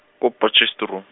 ko Potchefstroom.